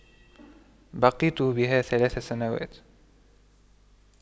بقيت بها ثلاث سنوات